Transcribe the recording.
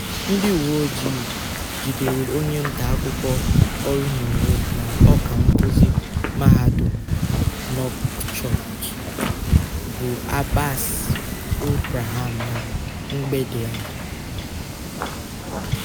Ndị uwe ojii jidere onye ntaakụkọ ọrụnonwe na Ọkankuzi Mahadum Nouakchott bụ Abbass Ould Braham na mgbede a.